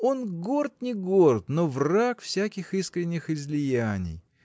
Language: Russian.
Он горд не горд, но враг всяких искренних излияний